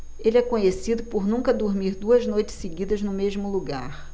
ele é conhecido por nunca dormir duas noites seguidas no mesmo lugar